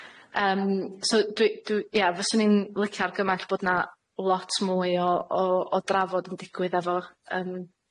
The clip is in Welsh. Yym so dwi- dwi-, ia, fyswn i'n licio argymell bod 'na lot mwy o o o drafod yn digwydd efo'r yym